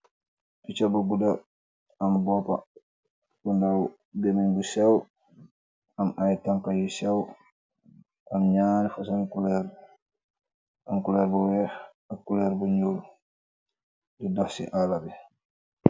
Piccha bu gudda am bópa bu ndaw gemeñ bu sew am ay tanka yu sew am ñaari fasung ngi kulor am kulor bu wèèx ak kulor bu ñuul di dox ci al'labi.